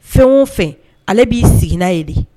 Fɛn o fɛn ale b'i sigi ye